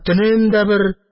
Төнем дә бер,